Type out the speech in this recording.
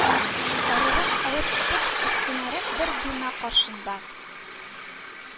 Арырак алып китеп, кечкенәрәк бер бина каршында